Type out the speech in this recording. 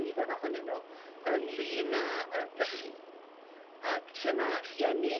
nifer ohonyn nhw ynglun a yrr brechu. Ag lle ma' rhieni